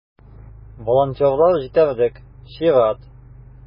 Волонтерлар җитәрлек - чират.